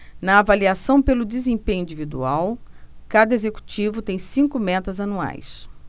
na avaliação pelo desempenho individual cada executivo tem cinco metas anuais